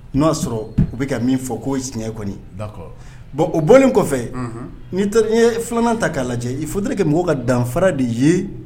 N y'a sɔrɔ u bɛ ka min fɔ ko tiɲɛ kɔni bon o bɔlen kɔfɛ n'i i ye filanan ta k'a lajɛ i fo terikɛ kɛ mɔgɔ ka danfara de ye